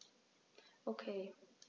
Okay.